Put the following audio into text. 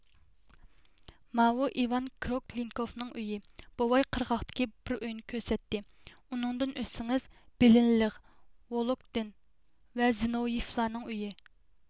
ماۋۇ ئېۋان كروكلىنكوفنىڭ ئۆيى بوۋاي قىرغاقتىكى بىر ئۆينى كۆرسەتتى ئۇنىڭدىن ئۆتسىڭىز بېلىنلېغ ۋولودكىن ۋە زنوۋيېفلارنىڭ ئۆيى